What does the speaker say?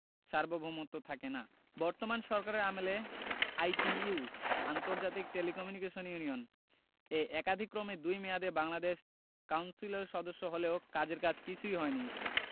সার্বভৌমত্ব থাকে না বর্তমান সরকারের আমলে আইটিইউ আন্তর্জাতিক টেলিকমিউনিকেশন ইউনিয়ন এ একাদিক্রমে দুই মেয়াদে বাংলাদেশ কাউন্সিল সদস্য হলেও কাজের কাজ কিছুই হয়নি